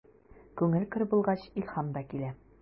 Күңел көр булгач, илһам да килә.